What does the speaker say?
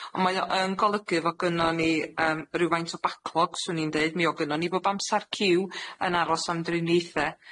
on' mae o yn golygu fo' gynnon ni yym rywfaint o baclog, swn i'n deud. Mi o' gynnon ni bob amsar ciw yn aros am drinithe,